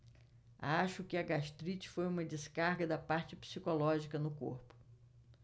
acho que a gastrite foi uma descarga da parte psicológica no corpo